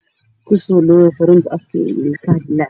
Kusodhawaw afka io ilkah